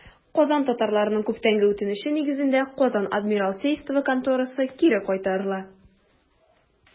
Казан татарларының күптәнге үтенече нигезендә, Казан адмиралтейство конторасы кире кайтарыла.